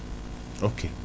ok